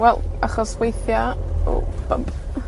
wel, achos, weithia, o, bump...